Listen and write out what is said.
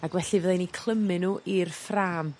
Ag felly fy' rei ni clymu n'w i'r ffrâm.